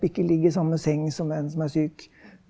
ikke ligg i samme seng som en som er syk!